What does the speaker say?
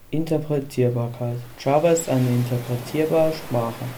Interpretierbarkeit Java ist eine interpretierbare Sprache